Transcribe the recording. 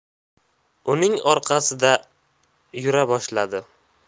uning orqasidan yura boshladi